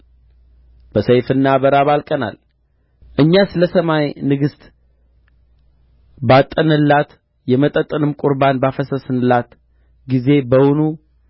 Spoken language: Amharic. በሰይፍና በራብ አልቀናል እኛስ ለሰማይ ንግሥት ባጠንንላት የመጠጥንም ቍርባን ባፈሰስንላት ጊዜ በውኑ